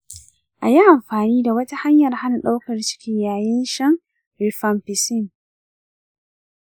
a yi amfani da wata hanyar hana ɗaukar ciki yayin shan rifampicin.